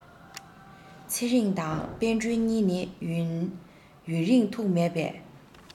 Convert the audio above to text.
ཚེ རིང དང དཔལ སྒྲོན གཉིས ནི ཡུན རིང ཐུགས མེད པས